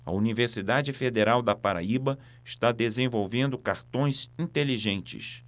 a universidade federal da paraíba está desenvolvendo cartões inteligentes